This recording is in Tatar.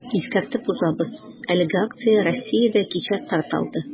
Искәртеп узабыз, әлеге акция Россиядә кичә старт алды.